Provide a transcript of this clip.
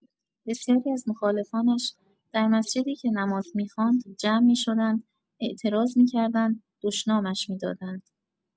بسیاری از مخالفانش در مسجدی که نماز می‌خواند جمع می‌شدند اعتراض می‌کردند دشنامش می‌دادند.